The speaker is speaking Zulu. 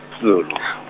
Zulu.